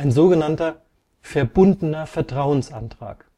sog. verbundener Vertrauensantrag